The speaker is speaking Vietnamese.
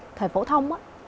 thời phổ thông á